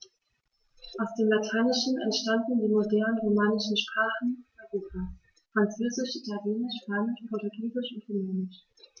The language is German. Aus dem Lateinischen entstanden die modernen „romanischen“ Sprachen Europas: Französisch, Italienisch, Spanisch, Portugiesisch und Rumänisch.